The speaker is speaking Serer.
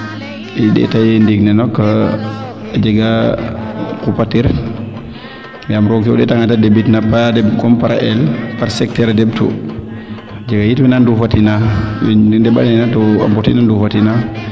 i ndeta ye ndiing ne nak a jegaa qupatir yaam roog fe o ndeeta nga neete dembit na baa demb comme par a eel par secteur a demb tu a jega yit weena nduufa tina we ndemba neena to a mbatin naa nduufa tinaaa